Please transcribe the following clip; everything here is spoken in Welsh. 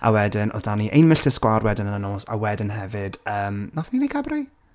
A wedyn oedd 'da ni Un Milltir Sgwâr wedyn yn y nos, a wedyn hefyd yym wnaethon ni wneud Gabri?